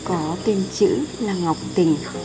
có tên chữ là ngọc tình